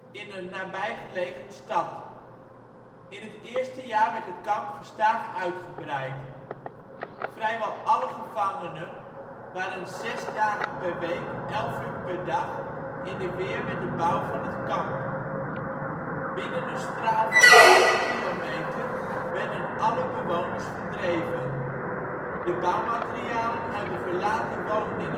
in een nabij gelegen stad. In het eerste jaar werd het kamp gestaag uitgebreid. Vrijwel alle gevangenen waren zes dagen per week, elf uur per dag in de weer met de bouw van het kamp. Binnen een straal van vijf kilometer werden alle bewoners verdreven. De bouwmaterialen uit de verlaten woningen